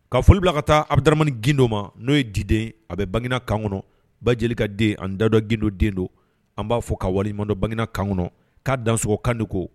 Ka foli bila ka taa a bɛtamani gindo ma n'o ye diden a bɛ bang kan kɔnɔ ba jeli ka den an da dɔ gindo den don an b'a fɔ ka waliɲumandɔ banginakan kɔnɔ k'a dansɔgɔkandi ko